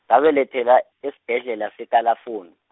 ngabelethelwa, esibhedlela seKalafoni.